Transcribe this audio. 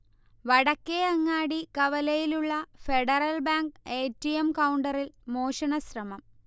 വടക്കേ അങ്ങാടി കവലയിലുള്ള Federal Bank A. T. M. കൗണ്ടറിൽ മോഷണശ്രമം